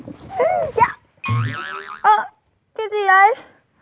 ơ cái gì đây